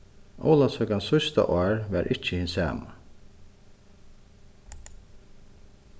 ólavsøkan síðsta ár var ikki hin sama